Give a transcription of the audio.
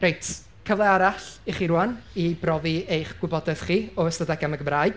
Reit, cyfle arall i chi rŵan i brofi eich gwybodaeth chi o ystadegau am y Gymraeg.